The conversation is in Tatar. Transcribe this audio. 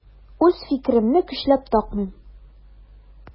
Үз фикеремне көчләп такмыйм.